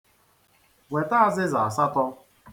Weta azịza asatọ.